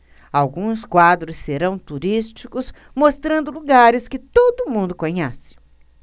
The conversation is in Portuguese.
alguns quadros serão turísticos mostrando lugares que todo mundo conhece